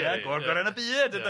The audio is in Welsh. Ia, gŵyr gorau yn y byd, ynde ia.